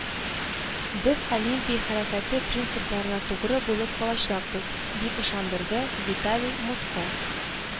“без олимпия хәрәкәте принципларына тугры булып калачакбыз”, – дип ышандырды виталий мутко